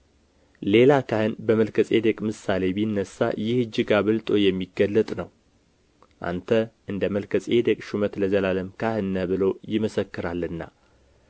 ሌላ ካህን በመልከ ጼዴቅ ምሳሌ ቢነሳ ይህ እጅግ አብልጦ የሚገለጥ ነው አንተ እንደ መልከ ጼዴቅ ሹመት ለዘላለም ካህን ነህ ብሎ ይመሰክራልና